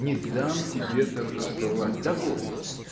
Не дам тебе торжествовать — довольно!